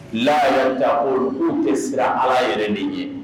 La yatakun k'u tɛ siran allah yɛrɛ de ɲɛ!